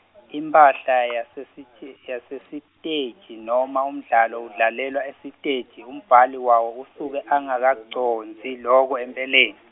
imphahla yasesitje- yasesiteji noma umdlalo udlalelwa esiteji umbhali wawo usuke angakacondzi loko empeleni.